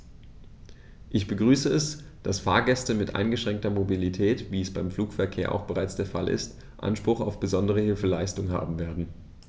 Ich begrüße es, dass Fahrgäste mit eingeschränkter Mobilität, wie es beim Flugverkehr auch bereits der Fall ist, Anspruch auf besondere Hilfeleistung haben werden.